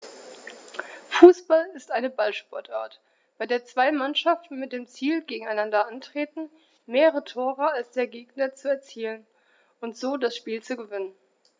Fußball ist eine Ballsportart, bei der zwei Mannschaften mit dem Ziel gegeneinander antreten, mehr Tore als der Gegner zu erzielen und so das Spiel zu gewinnen.